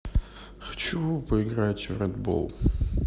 хочу поигарть в ред бол